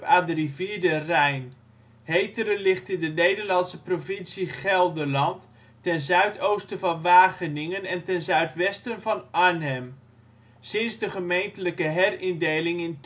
aan de rivier de Rijn. Heteren ligt in de Nederlandse provincie Gelderland, ten zuidoosten van Wageningen en ten zuidwesten van Arnhem. Sinds de gemeentelijke herindeling in